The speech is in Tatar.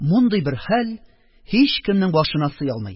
Мондый бер хәл һичкемнең башына сыя алмый.